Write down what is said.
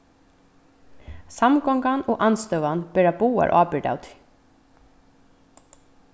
samgongan og andstøðan bera báðar ábyrgd av tí